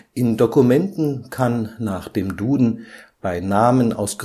In Dokumenten kann nach dem Duden bei Namen aus